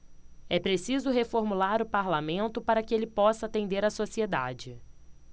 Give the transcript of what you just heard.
é preciso reformular o parlamento para que ele possa atender a sociedade